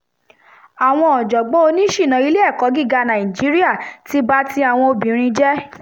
Àwọn ọ̀jọ̀gbọ́n oníṣìná ilé ẹ̀kọ́ gíga Nàìjíríà ti ba ti àwọn obìnrin jẹ́.